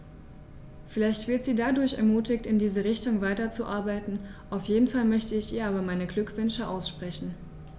Vielleicht wird sie dadurch ermutigt, in diese Richtung weiterzuarbeiten, auf jeden Fall möchte ich ihr aber meine Glückwünsche aussprechen.